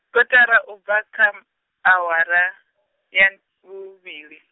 kotara ubva kha, awara, ya, vhuvhili.